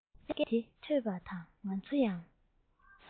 སྐད ཆ དེ ཐོས པ དང ང ཚོ ཡང